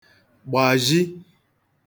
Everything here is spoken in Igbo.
gbàzhi